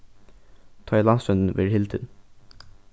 tá ið landsroyndin verður hildin